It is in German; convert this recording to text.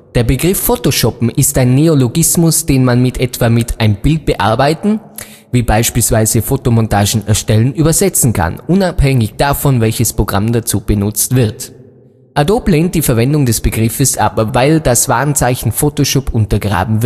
Der Begriff photoshoppen ist ein Neologismus, den man in etwa mit ein Bild bearbeiten (wie beispielsweise Fotomontagen erstellen) übersetzen kann, unabhängig davon, welches Programm dazu benutzt wird. Adobe lehnt die Verwendung des Begriffs ab, weil das Warenzeichen Photoshop untergraben